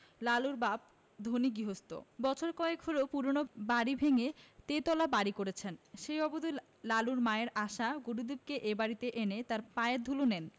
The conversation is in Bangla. লালুর বাপ ধনী গৃহস্থ বছর কয়েক হলো পুরানো বাড়ি ভেঙ্গে তেতলা বাড়ি করেছেন সেই অবধি লালুর মায়ের আশা গুরুদেবকে এ বাড়িতে এনে তাঁর পায়ের ধুলো নেন